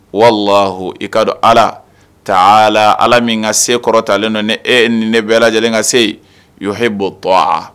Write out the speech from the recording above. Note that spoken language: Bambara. Walah i ka don ala taa ala ala min ka se kɔrɔtalen don e ni ne bɛ lajɛlen ka se yo h bɔtɔ